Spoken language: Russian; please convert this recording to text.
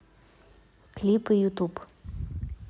клипы ютуб